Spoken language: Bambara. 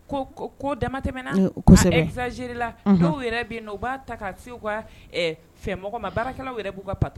Ko ko damatɛɛna u kosɛbɛzela dɔw yɛrɛ bɛ yen u b'a ta ka se ka fɛ mɔgɔ ma baarakɛlaw yɛrɛ b'u ka pata